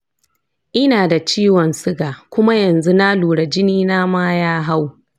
ina da ciwon siga kuma yanzu na lura jini na ma ya hau.